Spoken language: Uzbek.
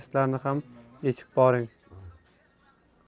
testlarni ham yechib ko'ring